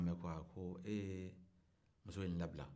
k'a sɔrɔ e ye muso in labila